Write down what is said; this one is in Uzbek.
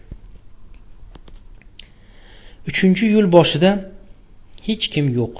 uchinchi yo'l boshida xech kim yo'q